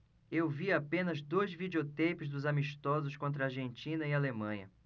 eu vi apenas dois videoteipes dos amistosos contra argentina e alemanha